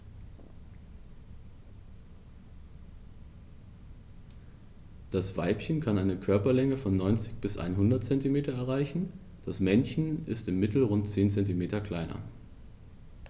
Das Weibchen kann eine Körperlänge von 90-100 cm erreichen; das Männchen ist im Mittel rund 10 cm kleiner.